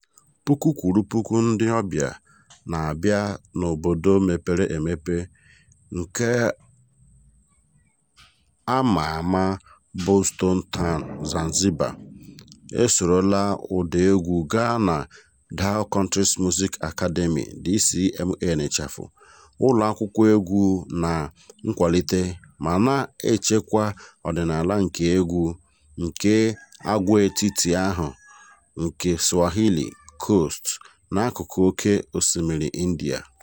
Puku kwụrụ puku ndị ọbịa na-abịa n'obodo mepere emepe nke a ma ama bụ Stone Town, Zanzibar, esorola ụda egwu gaa na Dhow Countries Music Academy (DCMA), ụlọakwụkwọ egwu na-akwalite ma na-echekwa ọdịnala nke egwu nke agwaetiti ahụ nke Swahili Coast n'akụkụ Oke Osimiri India.